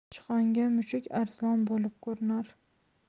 sichqonga mushuk arslon bo'lib ko'rinar